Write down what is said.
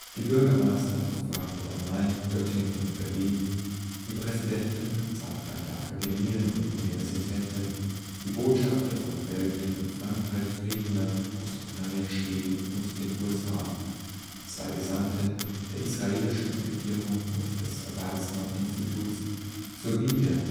die Bürgermeister von Frankfurt am Main, Göttingen und Berlin, die Präsidenten zahlreicher Akademien und Universitäten, die Botschafter von Belgien, Frankreich, Griechenland, Großbritannien, Schweden und den USA, zwei Gesandte der israelischen Regierung und des Weizmann-Instituts, sowie der